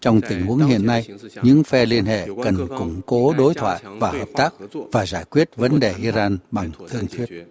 trong tình huống hiện nay những phe liên hệ cần củng cố đối thoại và hợp tác và giải quyết vấn đề i ran bằng thương thuyết